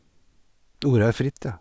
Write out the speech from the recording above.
Ordet er fritt, ja.